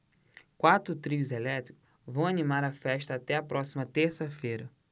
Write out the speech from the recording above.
quatro trios elétricos vão animar a festa até a próxima terça-feira